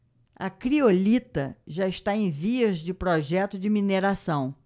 a criolita já está em vias de projeto de mineração